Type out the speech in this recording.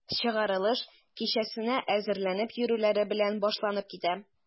Чыгарылыш кичәсенә әзерләнеп йөрүләре белән башланып китә.